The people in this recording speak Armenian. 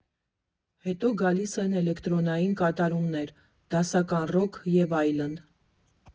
Հետո գալիս են էլեկտրոնային կատարումներ, դասական ռոք և այլն։